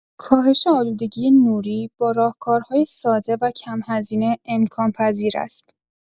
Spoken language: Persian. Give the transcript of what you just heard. کاهش آلودگی نوری با راهکارهای ساده و کم‌هزینه امکان‌پذیر است.